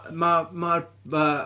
Ma' mae'r ma'....